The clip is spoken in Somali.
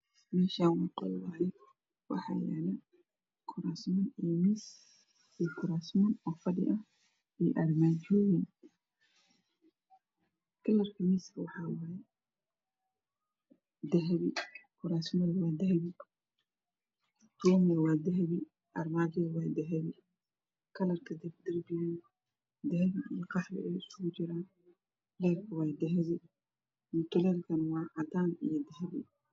Meeshaan waa qol waaye waxaa yaalo kuraasman iyo miis iyo kuraasman oo fadhi ah iyo armaajooyin kalarka miiska waxaa waayo dahabi kuraasmada waxaa waaye dahabi oomiga waa dahabi armaajada waa dahabi kalarka darbiga dahabi iyo qaxwi ayuu isugu jiraa leerka waa dahabi mutuleelkana waa cadaan iyo basali